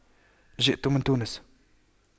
جئت من تونس